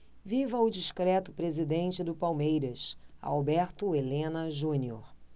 viva o discreto presidente do palmeiras alberto helena junior